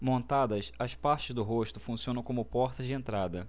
montadas as partes do rosto funcionam como portas de entrada